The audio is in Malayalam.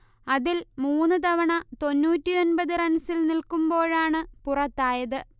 അതിൽ മൂന്ന് തവണ തൊണ്ണൂറ്റിയൊമ്പത് റൺസിൽ നിൽക്കുമ്പോഴാണ് പുറത്തായത്